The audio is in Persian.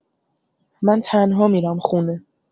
من تنها می‌رم خونه.